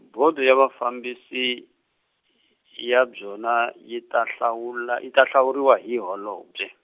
bodo ya vafambisi ya byona yi ta hlawula yi ta hlawuriwa hi holobye.